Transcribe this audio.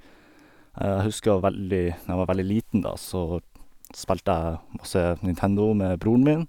Jeg husker veldig når jeg var veldig liten, da, så spilte jeg masse Nintendo med broren min.